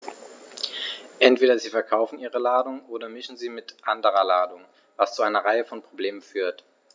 Entweder sie verkaufen ihre Ladung oder mischen sie mit anderer Ladung, was zu einer Reihe von Problemen führt.